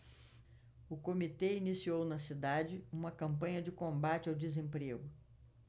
o comitê iniciou na cidade uma campanha de combate ao desemprego